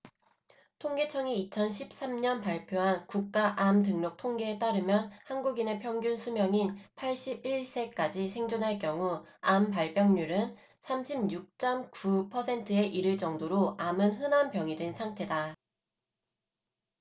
통계청이 이천 십 삼 년 발표한 국가암등록통계에 따르면 한국인의 평균수명인 팔십 일 세까지 생존할 경우 암발병률은 삼십 육 쩜 구 퍼센트에 이를 정도로 암은 흔한 병이 된 상태다